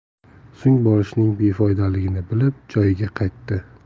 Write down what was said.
so'ng borishning befoydaligini bilib joyiga qaytdi